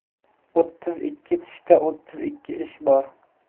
o'ttiz ikki tishda o'ttiz ikki ish bor